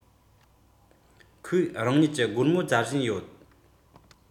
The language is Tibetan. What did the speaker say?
ཁོས རང ཉིད ཀྱི སྒོར མོ བཙལ བཞིན ཡོད